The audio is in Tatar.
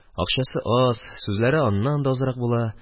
Акчасы аз, сүзләре аннан да азрак була: